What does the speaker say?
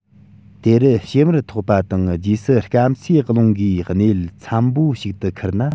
དེ རུ བྱེ མར ཐོགས པ དང རྗེས སུ སྐམ སའི རླུང གིས གནས ཡུལ འཚམ པོ ཞིག ཏུ ཁུར ན